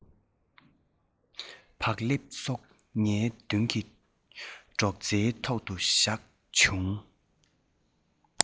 བག ལེབ སོགས ངའི མདུན གྱི སྒྲོག ཙེའི ཐོག ལ བཞག བྱུང